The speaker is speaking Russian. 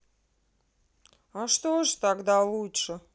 а что же тогда лучше